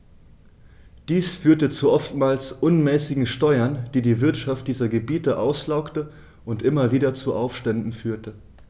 Dies führte zu oftmals unmäßigen Steuern, die die Wirtschaft dieser Gebiete auslaugte und immer wieder zu Aufständen führte.